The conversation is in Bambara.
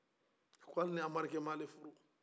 ko alini anbarike ma ale furu